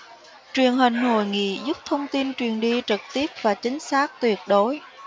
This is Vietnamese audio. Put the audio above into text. truyền hình hội nghị giúp thông tin truyền đi trực tiếp và chính xác tuyệt đối